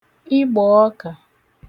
ịgbọ̀ọkà